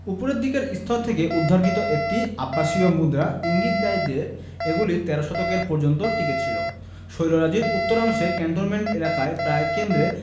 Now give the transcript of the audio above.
উপরের দিকের স্তর থেকে উদ্ধারকৃত একটি আব্বাসীয় মুদ্রা ইঙ্গিত দেয় যে এগুলি তেরো শতকের পর্যন্ত টিকেছিল শৈলরাজির উত্তরাংশে ক্যান্টনমেন্ট এলাকার প্রায় কেন্দ্রে